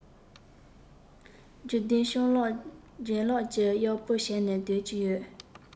རྒྱུན ལྡན སྤྱང ལགས ལྗད ལགས ཀྱི གཡོག པོ བྱས ནས སྡོད ཀྱི ཡོད